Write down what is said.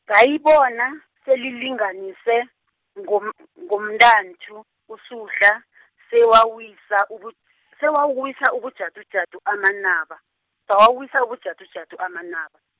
ngayibona, selilinganise, ngom- ngomntanthu, uSuhla , sewawisa ubu-, sewawisa ubujadujadu amanaba, sawawisa ubujadujadu amanaba.